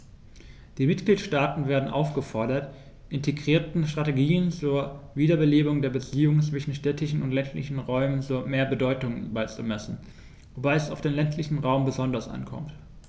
Die Mitgliedstaaten werden aufgefordert, integrierten Strategien zur Wiederbelebung der Beziehungen zwischen städtischen und ländlichen Räumen mehr Bedeutung beizumessen, wobei es auf den ländlichen Raum besonders ankommt.